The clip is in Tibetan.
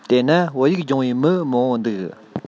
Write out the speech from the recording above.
དེས ན བོད ཡིག སྦྱོང བའི མི མང པོ འདུག